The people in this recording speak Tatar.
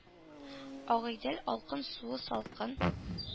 -“агыйдел алкын, суы салкын...